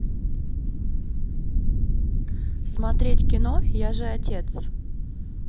смотреть кино я же отец